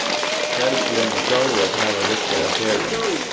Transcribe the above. teldilin er góður at hava við sær á ferðum